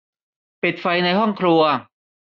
ปิดไฟในห้องครัว